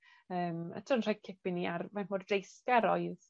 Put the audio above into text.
Yym eto'n rhoi cip i ni ar faint mor dreisgar oedd